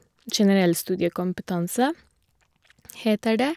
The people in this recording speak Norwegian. Generell studiekompetanse, heter det.